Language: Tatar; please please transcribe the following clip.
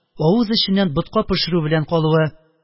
Авыз эченнән ботка пешерү белән калуы